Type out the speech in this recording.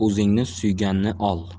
o'zingni suyganni ol